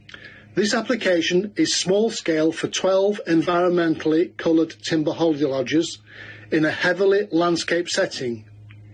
This application is small-scale for twelve environmentally coloured timber hodlodges in a heavily landscaped setting.